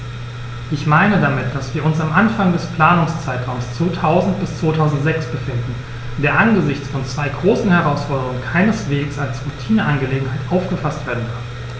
Ich meine damit, dass wir uns am Anfang des Planungszeitraums 2000-2006 befinden, der angesichts von zwei großen Herausforderungen keineswegs als Routineangelegenheit aufgefaßt werden darf.